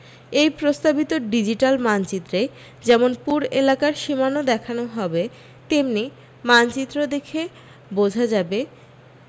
এই প্রস্তাবিত ডিজিটাল মানচিত্রে যেমন পুর এলাকার সীমানা দেখানো হবে তেমনি মানচিত্র দেখে বোঝা যাবে